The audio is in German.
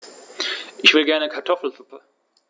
Ich will gerne Kartoffelsuppe.